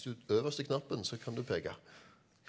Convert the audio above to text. hvis du øverste knappen så kan du peke.